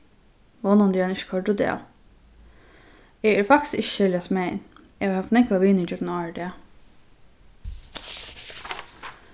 vónandi er hann ikki koyrdur útav eg eri faktiskt ikki serliga smæðin eg havi havt nógvar vinir gjøgnum ár og dag